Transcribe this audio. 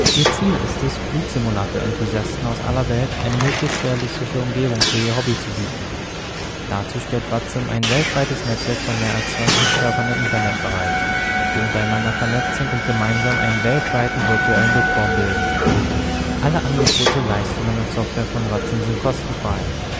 Ihr Ziel ist es, Flugsimulator-Enthusiasten aus aller Welt eine möglichst realistische Umgebung für Ihr Hobby zu bieten. Dazu stellt VATSIM ein weltweites Netzwerk von mehr als 20 Servern im Internet bereit, die untereinander vernetzt sind und gemeinsam einen weltweiten virtuellen Luftraum bilden. Alle Angebote, Leistungen und Software von VATSIM sind kostenfrei. Die